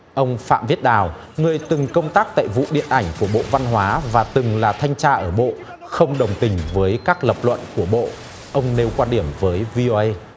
ông phạm viết đào người từng công tác tại vụ điện ảnh của bộ văn hóa và từng là thanh tra bộ không đồng tình với các lập luận của bộ ông nêu quan điểm với vi uây